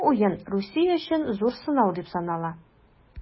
Бу уен Русия өчен зур сынау дип санала.